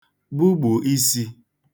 gbugbù isi